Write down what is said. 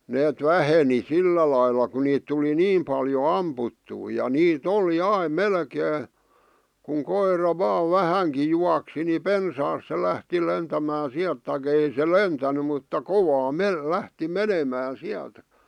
ne väheni sillä lailla kun niitä tuli niin paljon ammuttua ja niitä oli aina melkein kun koira vain vähänkin juoksi niin pensaasta se lähti lentämään sieltä tai ei se lentänyt mutta kovaa - lähti menemään sieltä